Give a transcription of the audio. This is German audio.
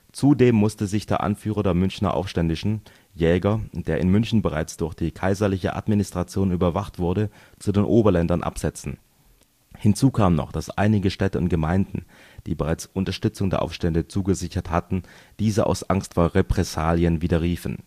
Zudem musste sich der Anführer der Münchener Aufständischen, Jäger, der in München bereits durch die kaiserliche Administration überwacht wurde, zu den Oberländern absetzen. Hinzu kam noch, dass einige Städte und Gemeinden, die bereits Unterstützung der Aufstände zugesichert hatten, diese aus Angst vor Repressalien widerriefen